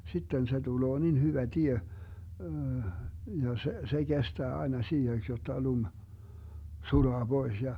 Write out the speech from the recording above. sitten se tulee niin hyvä tie ja se se kestää aina siiheksi jotta lumi sulaa pois ja